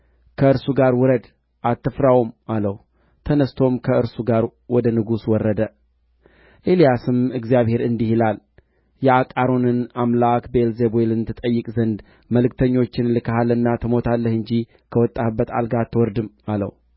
እነሆ እሳት ከሰማይ ወርዳ የፊተኞቹን ሁለቱን የአምሳ አለቆችና አምሳ አምሳውን ሰዎቻቸውን በላች አሁን ግን ነፍሴ በፊትህ የከበረች ትሁን ብሎ ለመነው የእግዚአብሔርም መልአክ ኤልያስን